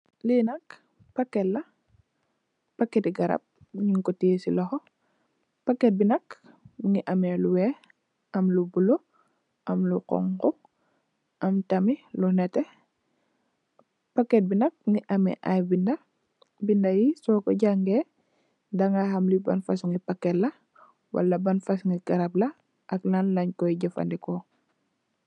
Lii nak pakketi garab, ñung ko tiye si loxo, pakket bi nak, mu ngi amee lu weex, am lu bulo, am lu xoñxu, am tamit lu nétté. Pakket bi nak, mu gi am ay bindë, bindë yi soo ko jangee, da ngaa xam ban fasoñgi garab, Wala ban fasoñgi pakket la, ak lan lañ Kooy jafëndekoo.